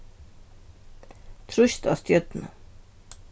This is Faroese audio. trýst á stjørnu